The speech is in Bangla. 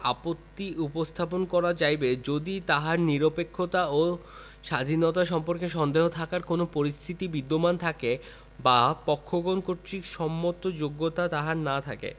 আপত্তি উত্থাপন করা যাইবে যদি তাহার নিরপেক্ষতা ও স্বাধীনতা সম্পর্কে সন্দেহ থাকার কোন পরিস্থিতি বিদ্যমান থাকে বা পক্ষগণ কর্তৃক সম্মত যোগ্যতা তাহার না থাকে